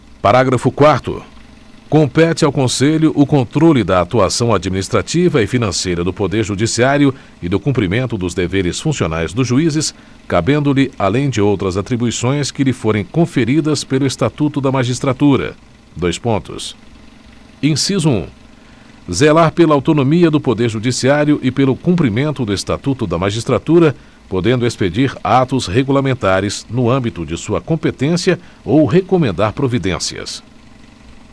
parágrafo quarto compete ao conselho o controle da atuação administrativa e financeira do poder judiciário e do cumprimento dos deveres funcionais dos juízes cabendo lhe além de outras atribuições que lhe forem conferidas pelo estatuto da magistratura dois pontos inciso um zelar pela autonomia do poder judiciário e pelo cumprimento do estatuto da magistratura podendo expedir atos regulamentares no âmbito de sua competência ou recomendar providências